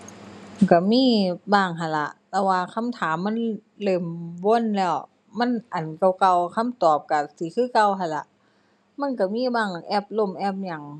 ก็มีบ้างหั้นล่ะ แต่ว่าคำถามมัน เริ่มวนแล้ว มันอันเก่าเก่า คำตอบก็สิคือเก่าหั้นล่ะ มันก็มีบ้าง แอปล่ม แอปหยัง